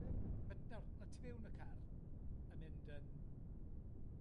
Yym, ma' nawr, ma' tu fewn y car yn mynd yn,